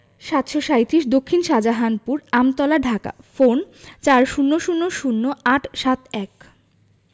৭৩৭ দক্ষিন শাহজাহানপুর আমতলা াকা ফোনঃ ৪০০০৮৭১